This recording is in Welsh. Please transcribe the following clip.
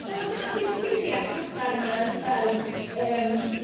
Wel, mae gennych chi'r seiliau cadarn 'na yn y fferm, yym...